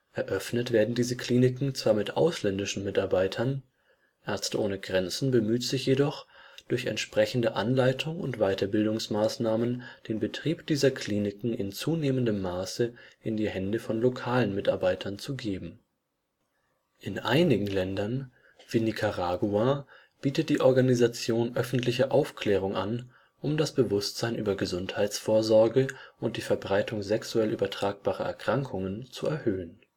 Eröffnet werden diese Kliniken zwar mit ausländischen Mitarbeitern, Ärzte ohne Grenzen bemüht sich jedoch, durch entsprechende Anleitung und Weiterbildungsmaßnahmen den Betrieb dieser Kliniken in zunehmendem Maße in die Hände von lokalen Mitarbeitern zu geben. In einigen Ländern wie Nicaragua bietet die Organisation öffentliche Aufklärung an, um das Bewusstsein über Gesundheitsvorsorge und die Verbreitung sexuell übertragbarer Erkrankungen zu erhöhen